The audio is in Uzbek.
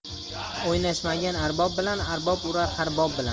o'ynashmagin arbob bilan arbob urar har bob bilan